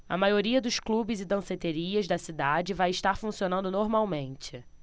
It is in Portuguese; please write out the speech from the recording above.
a maioria dos clubes e danceterias da cidade vai estar funcionando normalmente